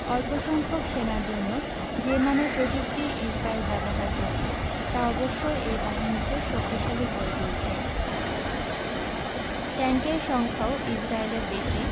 অল্পসংখ্যক সেনার জন্য যে মানের প্রযুক্তি ইসরায়েল ব্যবহার করছে তা অবশ্যই এই বাহিনীকে শক্তিশালী করে তুলছে ট্যাংকের সংখ্যাও ইসরায়েলের বেশি